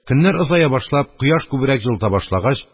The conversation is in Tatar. Көннәр озая башлап, кояш күбрәк җылыта башлагач,